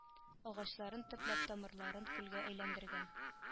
Агачларын төпләп тамырларын көлгә әйләндергән